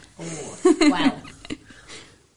O. . Wel.